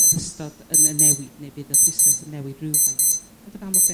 yr ystod yne'n newid neu bydd y pwysles yn newid rywfaint. Ond yn amlwg